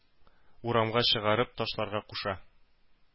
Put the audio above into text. Урамга чыгарып ташларга куша.